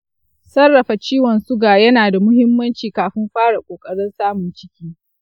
sarrafa ciwon suga yana da muhimmanci kafin fara ƙoƙarin samun ciki.